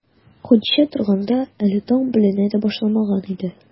Хәдичә торганда, әле таң беленә дә башламаган иде.